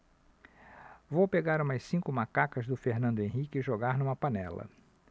vou pegar umas cinco macacas do fernando henrique e jogar numa panela